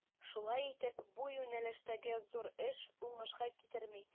Шулай итеп, бу юнәлештәге зур эш уңышка китерми.